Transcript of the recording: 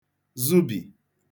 zụbì